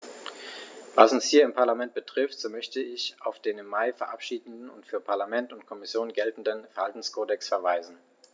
Was uns hier im Parlament betrifft, so möchte ich auf den im Mai verabschiedeten und für Parlament und Kommission geltenden Verhaltenskodex verweisen.